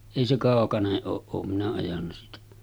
ei se kaukainen ole olen minä ajanut siitä